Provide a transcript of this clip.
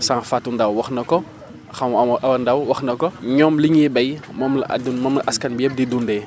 sànq Fatou Ndao wax na ko xaw ma Awa Awa Ndao wax na ko ñoom li ñuy béy moom la addun moom la askan bi yëpp di dundee